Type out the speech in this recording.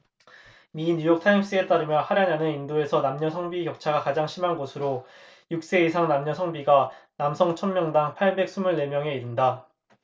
미 뉴욕타임스에 따르면 하랴냐는 인도에서 남녀 성비 격차가 가장 심한 곳으로 육 세 이상 남녀 성비가 남성 천 명당 팔백 스물 네 명에 이른다